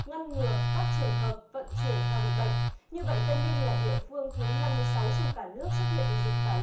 ngăn ngừa các trường hợp vận chuyển heo bị bệnh như vậy tây ninh là địa phương thứ năm mươi sáu trong cả nước xuất hiện dịch tả